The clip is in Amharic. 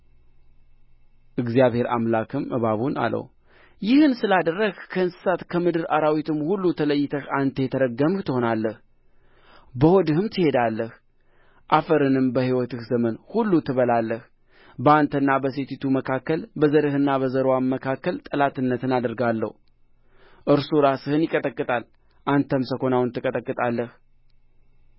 እግዚአብሔር አምላክም እባቡን አለው ይህን ስላደረግህ ከእንስሳት ከምድር አራዊትም ሁሉ ተለይተህ አንተ የተረገምህ ትሆናለህ በሆድህም ትሄዳለህ አፈርንም በሕይወትህ ዘመን ሁሉ ትበላለህ በአንተና በሴቲቱ መካከል በዘርህና በዘርዋም መካከል ጠላትነትን አደርጋለሁ እርሱ ራስህን ይቀጠቅጣል አንተም ሰኰናውን ትቀጠቅጣለህ